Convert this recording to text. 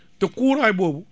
te kuuraay boobu